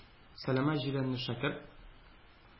Сәләмә җиләнле шәкерт,